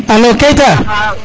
alo Keita